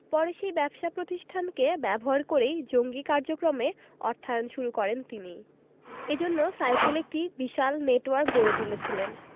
পরে সেই ব্যবসা প্রতিষ্ঠানকে ব্যবহার করেই জঙ্গি কার্যক্রমে অর্থায়ন শুরু করেন তিনি এ জন্য সাইফুল একটি বিশাল নেটওয়ার্ক গড়ে তুলেছিলেন